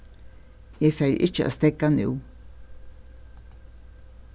eg fari ikki at steðga nú